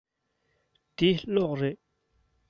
འདི གློག རེད